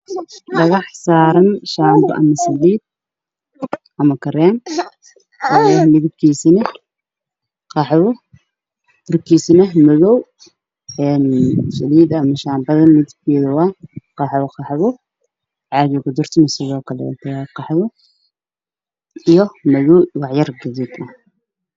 Dhagax saran shambo ama salid ama kareem oo midabkiisa yahay qaxwo korkisaneh madoow salida mama shambada waa qaxwo qaxwo caagey ku jirtana waa qaxwo iyo madoow iyo wax yar gaduud ah